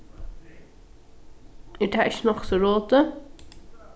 er tað ikki nokk so rotið